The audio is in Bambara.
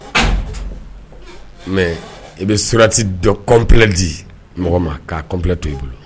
Mɛ i bɛ suti dɔ kɔnplɛ di mɔgɔ ma' kɔnplɛ to i bolo